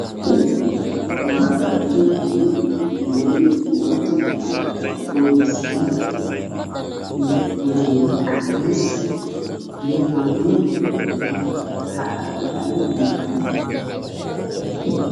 Waa gabdho iyo niman waana boolis waxay xiranyihiin dhar boolis cadaan koofyo buluug makrafoona iyo ku haysayaan magace